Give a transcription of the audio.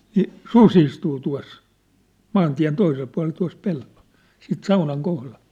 niin susi istuu tuossa maantien toisella puolella tuossa pellolla sitten saunan kohdalla